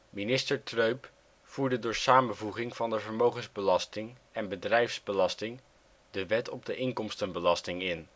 Minister Treub voerde door samenvoeging van de vermogensbelasting en bedrijfsbelasting de Wet op de inkomstenbelasting in